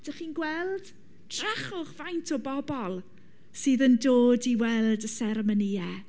Dach chi'n gweld, drychwch faint o bobl sydd yn dod i weld y sermonïau!